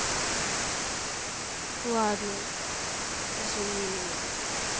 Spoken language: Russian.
ладно извини меня